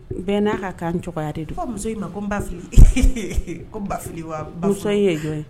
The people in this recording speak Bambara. Bɛ n'a ka kan cogoya de don, ko muso in ma ko n ba fili wa, n b a fili mun de. Muso in ye jɔn ye?